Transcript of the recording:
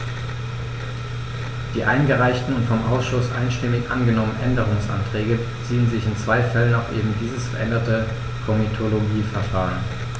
Die eingereichten und vom Ausschuss einstimmig angenommenen Änderungsanträge beziehen sich in zwei Fällen auf eben dieses veränderte Komitologieverfahren.